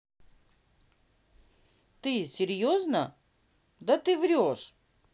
ты серьезно да ты врешь